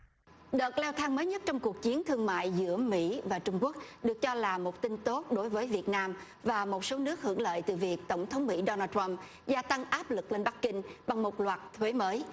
đợt leo thang mới nhất trong cuộc chiến thương mại giữa mỹ và trung quốc được cho là một tin tốt đối với việt nam và một số nước hưởng lợi từ việc tổng thống mỹ đô na trăm gia tăng áp lực lên bắc kinh bằng một loạt thuế mới